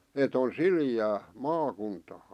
että on sileää maakuntaa